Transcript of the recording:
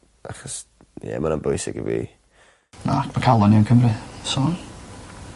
Achos ie ma' wnna'n bwysig i fi. Na ma'n calon i yn Cymru so.